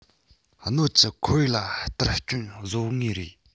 སྣོད བཅུད ཁོར ཡུག ལ གཏོར སྐྱོན བཟོ ངེས རེད